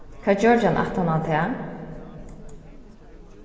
hvat gjørdi hann aftan á tað